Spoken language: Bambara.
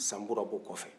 sanbura bo kɔfɛ